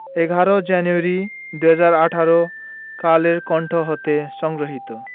১১ জানুয়ারি ২০১৮ কালের কন্ঠ হতে সংগৃহীত